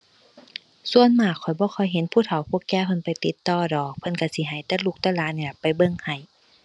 ส่วนมากข้อยบ่ค่อยเห็นผู้เฒ่าผู้แก่เพิ่นไปติดต่อดอก เพิ่นก็สิให้แต่ลูกแต่หลานนี่ล่ะ ไปเบิ่งให้